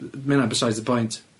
Yy mae ynna besides the point.